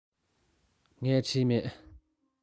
ངས བྲིས མེད